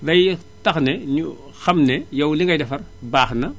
day tax ne ñu xam ne yow li ngay defar baax na